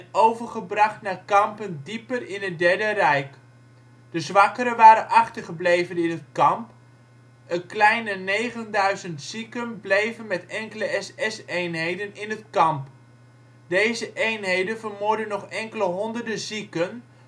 overgebracht naar kampen dieper in het Derde Rijk. De zwakkeren waren achtergebleven in het kamp. Een kleine negenduizend zieken bleven met enkele SS-eenheden in het kamp. Deze eenheden vermoordden nog enkele honderden zieken